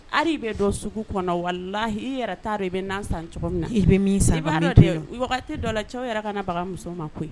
Hali i bɛ dɔn sugu kɔnɔ wala' i yɛrɛ taa i bɛ na san cogo min na i bɛ misa i'a dɔ dɔ la cɛw yɛrɛ ka baganmuso ma koyi